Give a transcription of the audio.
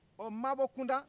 ɔ maabɔ kunda